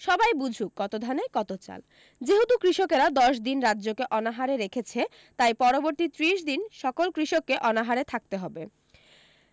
সবাই বুঝুক কত ধানে কত চাল যেহেতু কৃষকেরা দশ দিন রাজ্যকে অনাহারে রেখেছে তাই পরবর্তী ত্রিশ দিন সকল কৃষককে অনাহারে থাকতে হবে